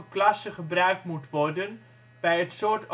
klasse gebruikt moet worden bij het soort